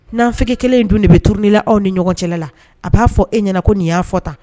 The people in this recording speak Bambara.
'anfi kelen in dun de bɛ turununi la aw ni ɲɔgɔn cɛla la a b'a fɔ e ɲɛna ko nin y'a fɔ tan